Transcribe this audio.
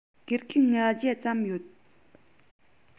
དགེ རྒན ༥༠༠ ཙམ ཡོད